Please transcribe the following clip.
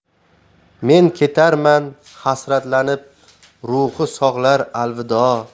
men ketarman hasratlanib ruhi sog'lar alvido